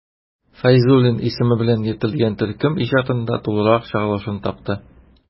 Фәйзуллин исеме белән йөртелгән төркем иҗатында тулырак чагылышын тапты.